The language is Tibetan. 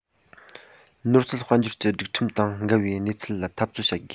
ནོར སྲིད དཔལ འབྱོར གྱི སྒྲིག ཁྲིམས དང འགལ བའི གནས ཚུལ ལ འཐབ རྩོད བྱ དགོས